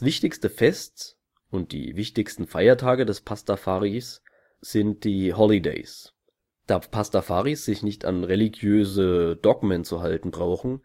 wichtigste Fest und die wichtigsten Feiertage der Pastafaris sind die Holidays. Da Pastafaris sich nicht an religiöse Dogmen zu halten brauchen,